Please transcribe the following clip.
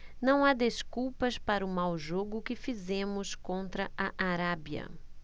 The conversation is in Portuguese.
não há desculpas para o mau jogo que fizemos contra a arábia